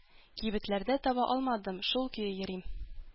Кибетләрдә таба алмадым, шул көе йөрим.